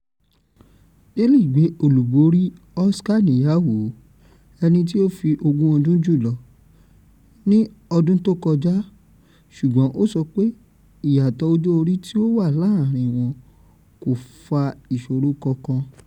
Daley gbé olùborí Oscar níyàwó, ẹní tí ó fi ogún ọdún jù ú lọ, ní ọdún tó kọjá ṣùgbọ́n ó sọ pé ìyàtọ̀ ọjọ́ orí tí ó wà láàrín wọm kò fà ìṣòro kankan.